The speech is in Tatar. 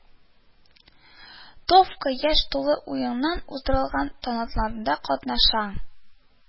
Товка яшь тулу уңаеннан уздырылган тантаналарда катнаша,